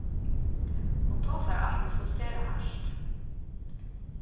hon tosar altíð so sera hart